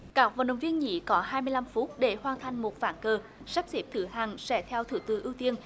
cạc vận động viên nhí cỏ hai mươi lăm phút để hoàn thành một vản cờ sắp xếp thứ hạng sẽ theo thứ tự ưu tiên